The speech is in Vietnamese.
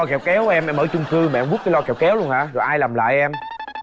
loa kẹo kéo em em ở trung cư em mà em múc cái loa kẹo kéo luôn hả rồi ai làm lại em